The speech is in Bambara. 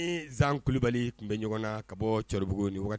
Ni zanli kulubali tun bɛ ɲɔgɔn na ka bɔ cɛkɔrɔbaugu